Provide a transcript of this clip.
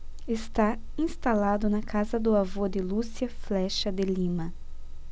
está instalado na casa do avô de lúcia flexa de lima